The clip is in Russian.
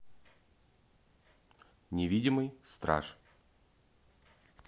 невидимый страж